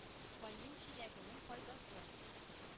Каен җиләгенең файдасы: